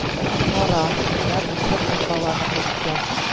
Кара, менә бусы кыз баланыкы икән